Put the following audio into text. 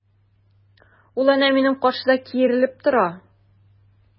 Ул әнә минем каршыда киерелеп тора!